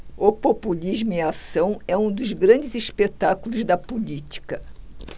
o populismo em ação é um dos grandes espetáculos da política